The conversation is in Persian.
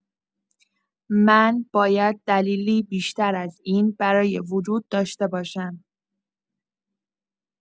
من باید دلیلی بیشتر از این برای وجود داشته باشم.